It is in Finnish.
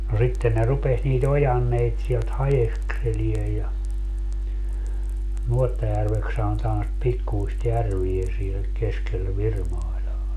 no sitten ne rupesi niitä ojanteita sieltä haeskelemaan ja Nuottajärveksi sanotaan sitä pikkuista järveä siellä keskellä Virmailaa